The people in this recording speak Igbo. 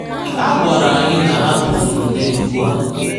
Ha gwara anyị na ha gụzọro n’ebubo ha.